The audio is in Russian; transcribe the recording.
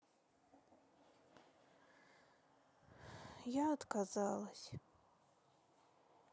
я отказалась